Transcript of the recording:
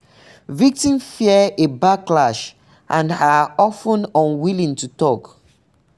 Victims fear a backlash and are often unwilling to talk